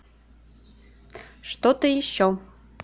что то еще